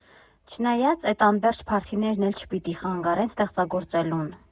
Չնայած, էդ անվերջ փարթիներն էլ չպիտի խանգարեն ստեղծագործելուն։